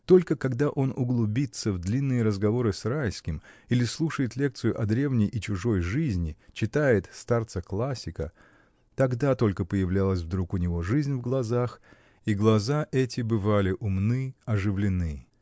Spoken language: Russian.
Только когда он углубится в длинные разговоры с Райским или слушает лекцию о древней и чужой жизни, читает старца-классика, — тогда только появлялась вдруг у него жизнь в глазах, и глаза эти бывали умны, оживлены.